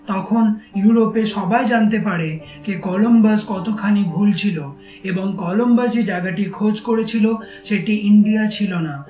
তখন ইউরোপের সবাই জানতে পারে যে কলম্বাস কতখানি ভুল ছিল এবং কলম্বাস যে জায়গাটির খোঁজ করে ছিল এবং সেটি ইন্ডিয়া ছিল না